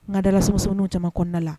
Ŋa dalasumusumunuw caman kɔɔna la